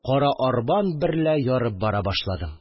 Кара арбам берлә ярып бара башладым